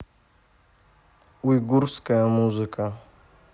уйгурская музыка